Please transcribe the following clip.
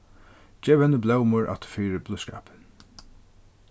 gev henni blómur afturfyri blíðskapin